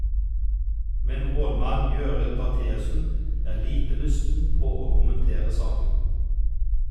Men rådmann Gøril Bertheussen er lite lysten på å kommentere saken.